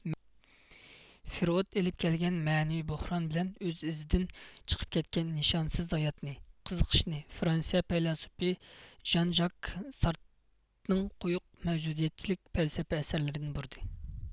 فرېئۇد ئېلىپ كەلگەن مەنىۋى بوھران بىلەن ئۆز ئىزىدىن چىقىپ كەتكەن نىشانسىز ھاياتىنى قىزىقىشىنى فرانسىيە پەيلاسوپى ژان ژاك سارتنىڭ قويۇق مەۋجۇدىيەتچىلىك پەلسەپە ئەسەرلىرىگە بۇرىدى